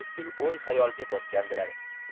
butkul o'y hayolga botgandilar